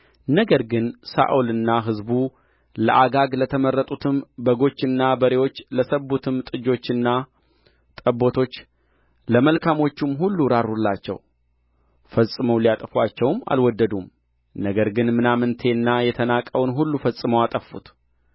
ነገር ግን ሳኦልና ሕዝቡ ለአጋግ ለተመረጡትም በጎችና በሬዎች ለሰቡትም ጥጆችና ጠቦቶች ለመልካሞቹም ሁሉ ራሩላቸው ፈጽሞ ሊያጠፉአቸውም አልወደዱም ነገር ግን ምናምንቴንና የተናቀውን ሁሉ ፈጽመው አጠፉት